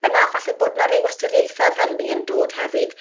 yna falle bod 'na ryw ystyriaethau fel 'ny yn dod hefyd.